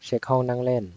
เช็คห้องนั่งเล่น